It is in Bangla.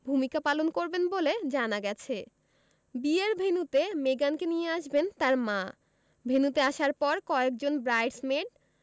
ভূমিকা পালন করবেন বলে জানা গেছে বিয়ের ভেন্যুতে মেগানকে নিয়ে আসবেন তাঁর মা ভেন্যুতে আসার পর কয়েকজন ব্রাইডস মেড